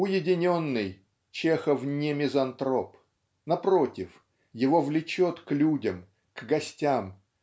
Уединенный, Чехов не мизантроп. Напротив его влечет к людям к гостям